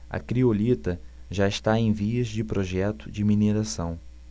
a criolita já está em vias de projeto de mineração